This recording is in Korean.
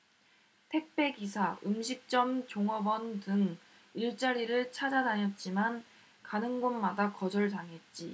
택배 기사 음식점 종업원 등 일자리를 찾아다녔지만 가는 곳마다 거절당했지